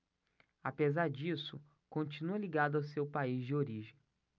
apesar disso continua ligado ao seu país de origem